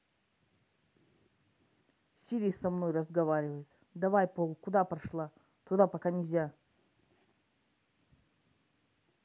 сири со мной разговаривает давай пол куда пошла туда пока нельзя